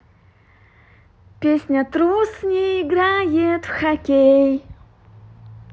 песня трус не играет в хоккей